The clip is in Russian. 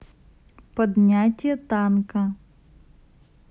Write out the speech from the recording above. поднятие танка